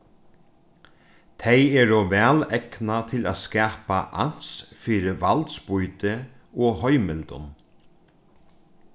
tey eru væl egnað til at skapa ans fyri valdsbýti og heimildum